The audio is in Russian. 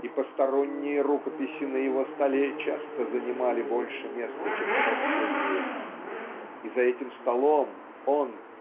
и посторонние рукописи на его столе часто занимали больше места чем собственные и за этим столом он